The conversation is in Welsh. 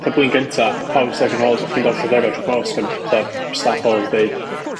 'tha blwyddyn gynta, pawb styc yn halls, o'ch chdi'n ga'l llythyra trwy'r post fatha staff halls yn deud